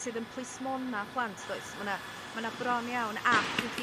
Sydd yn plismonna plant does? Ma' 'na ma' 'na bron iawn ap i chi